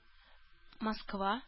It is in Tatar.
Москва